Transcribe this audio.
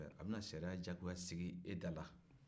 a bɛna sariya diyagoya sigi e da la